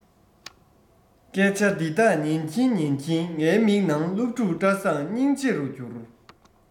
སྐད ཆ འདི དག ཉན གྱིན ཉན གྱིན ངའི མིག ནང སློབ ཕྲུག བཀྲ བཟང སྙིང རྗེ རུ གྱུར